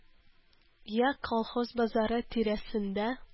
Йә колхоз базары тирәсендә